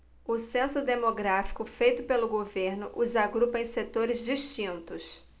o censo demográfico feito pelo governo os agrupa em setores distintos